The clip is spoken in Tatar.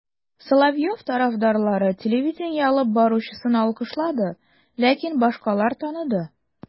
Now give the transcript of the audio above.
Соловьев тарафдарлары телевидение алып баручысын алкышлады, ләкин башкалар таныды: